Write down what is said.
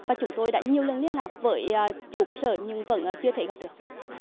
và chúng tôi đã nhiều lần liên lạc với chủ cơ sở nhưng vẫn chưa thể gặp được